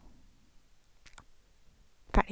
Ferdig.